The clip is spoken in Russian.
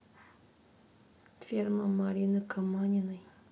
ферма марины каманиной